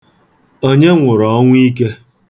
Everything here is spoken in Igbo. Onye nwụrụ ọnwụ ike?